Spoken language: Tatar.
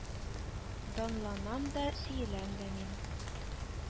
Данланам да, сөеләм дә мин